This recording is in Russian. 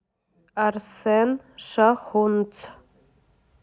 арсен шахунц